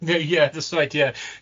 Yeah, yeah, that's right, yeah.